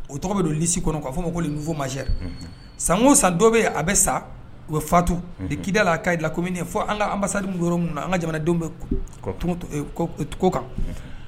O tɔgɔ bɛ don lisi kɔnɔ ka fɔ ma ko munfɔ ma sankun san dɔ bɛ yen a bɛ sa u ye fatu kida la k'a la ko fɔ an kasa y min na an ka jamanadenw bɛ kan